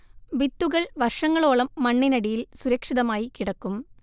വിത്തുകൾ വർഷങ്ങളോളം മണ്ണിനടിയിൽ സുരക്ഷിതമായി കിടക്കും